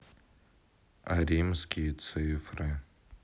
римские цифры